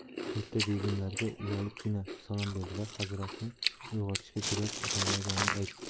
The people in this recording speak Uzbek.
u katta begimlarga uyalibgina salom berdi da hazratni uyg'otishga jurat etolmaganini aytdi